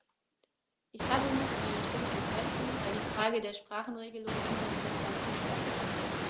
Ich habe mich meiner Stimme enthalten, weil die Frage der Sprachenregelung immer noch nicht ganz geklärt ist.